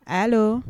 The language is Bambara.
Aa